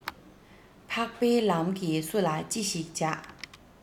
འཕགས པའི ལམ གྱིས སུ ལ ཅི ཞིག བྱ